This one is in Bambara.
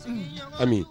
Sigiɲɔgɔn ju Ami